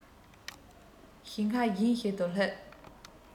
ཞིང ཁ གཞན ཞིག ཏུ སླེབས